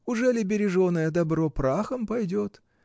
Ужели береженое добро прахом пойдет?